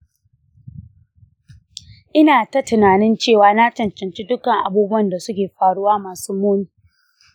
ina ta tunanin cewa na cancanci dukkan abubuwan da suke faruwa masu muni.